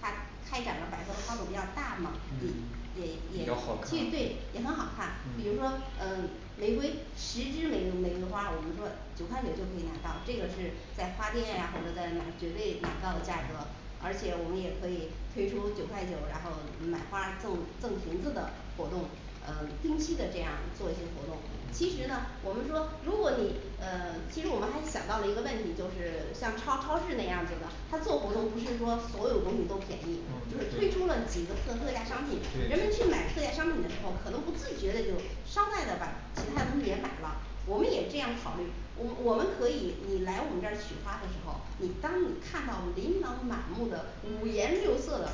它开展的百合的花朵比较大嘛嗯，也也也比较好看这对也很好看，比如嗯说呃玫瑰十枝玫、玫瑰花，我们说九块九就可以买到，这个是在花店呀或者在哪绝对拿不到的价格而且我们也可以推出九块九，然后买花种赠瓶子的活动呃定期的这样做一些活动，其嗯实呢我们说如果你呃 其实我们还想到了一个问题，就是像超超市那样子的，它做活动不是说所有东西都便嗯宜，就是推对出了几个特特价商品，人对们去买对特价商品的时候，可能不自觉的就伤害的把其他东西也买了，我们也这样考虑，我我们可以你来我们这儿取花的时候，你当你看到琳琅满目的五颜六色的